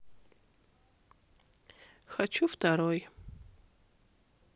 хочу второй